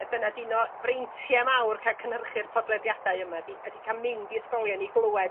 y dyne 'di un o freintiau mawr ca'l cynhyrchu'r podlediadau yma 'di ydi ca'l mynd i ysgolion i glywed